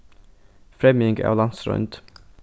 fremjing av landsroynd